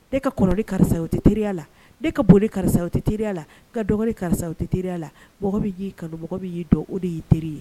Ne ka kɔrɔli karisa o tɛ teriya la ne ka boli karisa o tɛ teriya la ka dɔgɔ karisa o tɛ teriya la y'i kanumɔgɔ bɛ y'i dɔn o de y'i teri ye